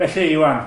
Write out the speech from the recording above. Felly, Iwan.